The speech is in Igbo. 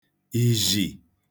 ìzhì